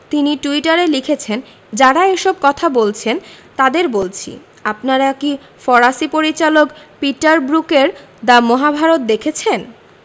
তিনি টুইটারে লিখেছেন যাঁরা এসব কথা বলছেন তাঁদের বলছি আপনারা কি ফরাসি পরিচালক পিটার ব্রুকের “দ্য মহাভারত” দেখেছেন